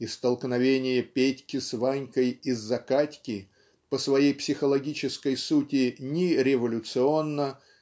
и столкновение Петьки с Ванькой из-за Катьки по своей психологической сути ни революционно